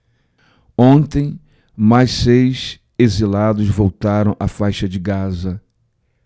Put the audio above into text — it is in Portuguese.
ontem mais seis exilados voltaram à faixa de gaza